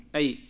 a yiyii